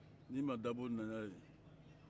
ni ma dabo nan'a ye